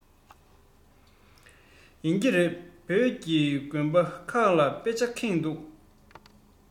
ཡིན གྱི རེད བོད ཀྱི དགོན པ ཁག ལ དཔེ ཆས ཁེངས འདུག ག